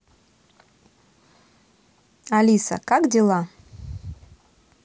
алиса как дела